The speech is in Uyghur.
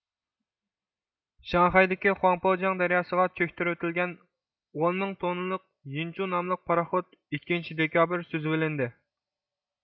شاڭخەيدىكى خۇاڭپۇجياڭ دەرياسىغا چۆكتۈرۋېتىلگەن ئونمىڭ توننىلىق يىنچۇ ناملىق پاراخوت ئىككىنچى دېكابىر سۈزىۋېلىندى